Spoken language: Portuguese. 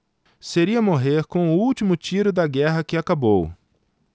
seria morrer com o último tiro da guerra que acabou